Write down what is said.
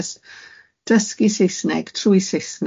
jyst dysgu Saesneg trwy Saesneg.